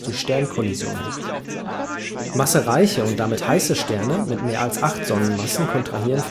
Sternkollisionen. Massereiche und damit heiße Sterne mit mehr als 8 Sonnenmassen kontrahieren